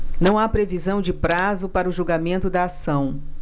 não há previsão de prazo para o julgamento da ação